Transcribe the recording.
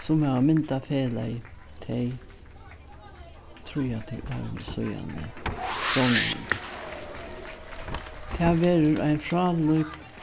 sum hava myndað felagið tey tríati árini síðani stovnanina tað verður ein frálík